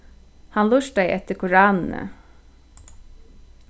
hann lurtaði eftir koranini